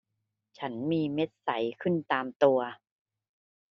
ฉันมีเม็ดใสขึ้นตามตัว